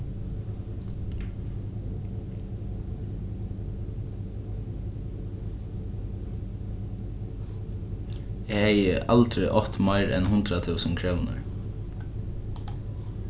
eg hevði aldrin átt meira enn hundrað túsund krónur